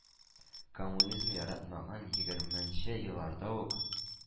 Коммунизмны яратмаган, егерменче елларда ук